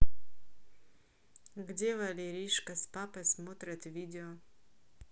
где валеришка с папой смотрят видео